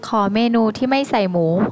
ขอเมนูที่ไม่ใส่หมู